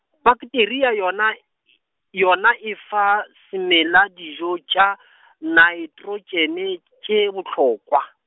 pakteria yona , yona e fa semela dijo tša , naetrotšene tše bohlokwa.